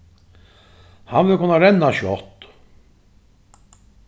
hann vil kunna renna skjótt